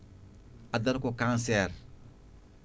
addata ko cancer